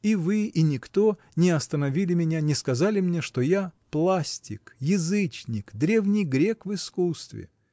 И вы, и никто — не остановили меня, не сказали мне, что я — пластик, язычник, древний грек в искусстве!